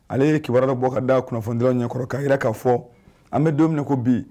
Ale ye kibawara dɔ bɔ ka da kunnafoni dɔrɔn ɲɛkɔrɔ ka jira ka fɔ an bɛ dumuni ko bi